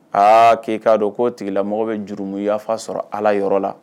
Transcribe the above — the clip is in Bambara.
Aa k'i k'a dɔn ko' tigila mɔgɔ bɛ jurumu yafafa sɔrɔ ala yɔrɔ la